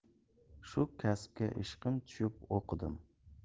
shu kasbga ishqim tushib o'qidim